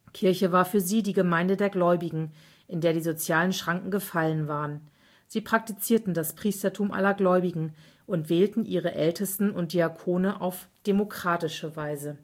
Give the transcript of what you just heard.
Kirche war für sie die Gemeinde der Gläubigen, in der die sozialen Schranken gefallen waren. Sie praktizierten das Priestertum aller Gläubigen und wählten ihre Ältesten und Diakone auf „ demokratische “Weise